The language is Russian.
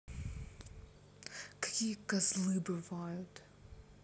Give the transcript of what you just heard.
какие козлы бывают